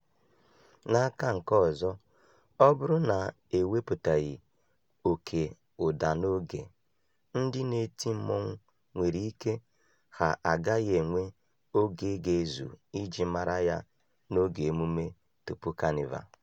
N'aka nke ọzọ, ọ bụrụ na e wepụtaghị oké ụda n'oge, ndị na-eti mmọnwụ nwere ike ha agaghị enwe oge ga-ezu iji mara ya n'oge emume tupu Kanịva.